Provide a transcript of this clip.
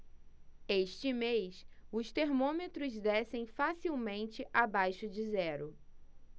este mês os termômetros descem facilmente abaixo de zero